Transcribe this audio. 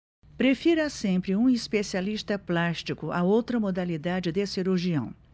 prefira sempre um especialista plástico a outra modalidade de cirurgião